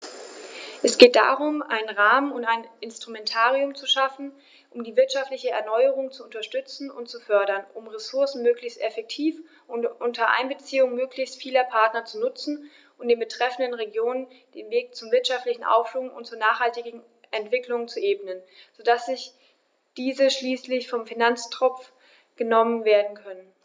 Es geht darum, einen Rahmen und ein Instrumentarium zu schaffen, um die wirtschaftliche Erneuerung zu unterstützen und zu fördern, um die Ressourcen möglichst effektiv und unter Einbeziehung möglichst vieler Partner zu nutzen und den betreffenden Regionen den Weg zum wirtschaftlichen Aufschwung und zur nachhaltigen Entwicklung zu ebnen, so dass diese schließlich vom Finanztropf genommen werden können.